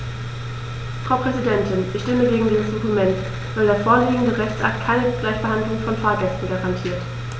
Frau Präsidentin, ich stimme gegen dieses Dokument, weil der vorliegende Rechtsakt keine Gleichbehandlung von Fahrgästen garantiert.